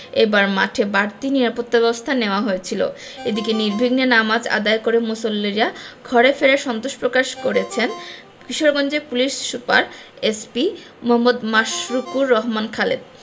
এবার মাঠে বাড়তি নিরাপত্তাব্যবস্থা নেওয়া হয়েছিল এদিকে নির্বিঘ্নে নামাজ আদায় করে মুসল্লিরা ঘরে ফেরায় সন্তোষ প্রকাশ করেছেন কিশোরগঞ্জের police super SP Mohammad. Mashrukur Rahman Khaled